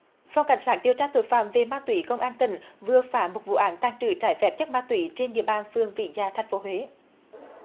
phòng cảnh sát điều tra tội phạm về ma túy công an tỉnh vừa phá một vụ án tàng trữ trái phép chất ma túy trên địa bàn phường vĩ dạ thành phố huế